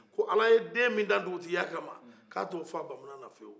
ko ala den min dan dugutigiya ka ma k'a t'o faa bamunan na fiyewu